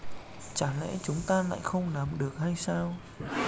chả lẽ chúng ta lại không làm được hay sao